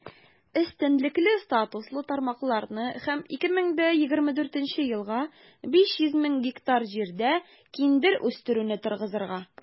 Өстенлекле статуслы тармакларны һәм 2024 елга 500 мең гектар җирдә киндер үстерүне торгызырга.